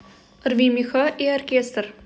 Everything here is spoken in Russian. рви меха и оркестр